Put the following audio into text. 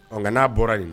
Nka nka n'a bɔra yen